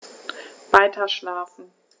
Weiterschlafen.